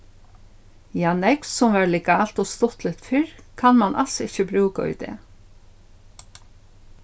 ja nógv sum var legalt og stuttligt fyrr kann mann als ikki brúka í dag